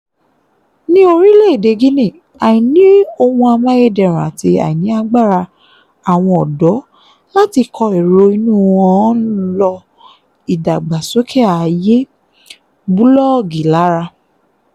Ní Orílẹ̀-èdè Guinea, àìní ohun amáyédẹrùn àti àìní agbára àwọn ọ̀dọ́ láti kọ èrò inú wọn ń lọ́ ìdàgbàsókè ààyè búlọ́ọ́gì lára.